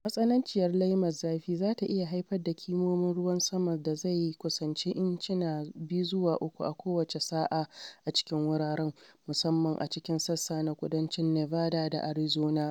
Matsananciyar laimar zafi za ta iya haifar da kimomin ruwan sama da zai kusanci incina 2 zuwa 3 a kowace sa’a a cikin wuraren, musamman a cikin sassa na kudancin Nevada da Arizona.